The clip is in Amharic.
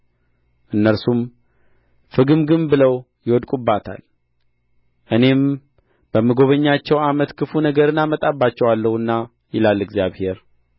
እነርሱም ፍግምግም ብለው ይወድቁባታል እኔም በምጐበኛቸው ዓመት ክፉ ነገርን አመጣባቸዋለሁና ይላል እግዚአብሔር